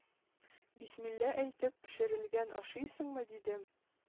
Бисмилла әйтеп пешерелгән, ашыйсыңмы?” – дидем.